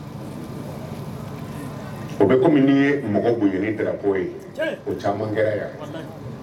O bɛ komi ye mɔgɔ bon jara ye o caman kɛra yan